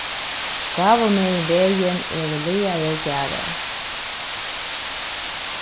báðumegin vegin eru laðaðir garðar